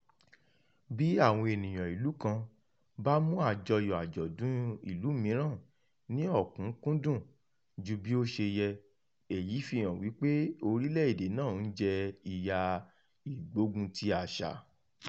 Bí àwọn ènìyàn ìlú kan bá mú àjọyọ̀ àjọ̀dún ìlú mìíràn ní òkúnkúndùn ju bí ó ṣe yẹ, èyí fi hàn wípé orílẹ̀-èdè náà ń jẹ ìyà ìgbógunti àṣà.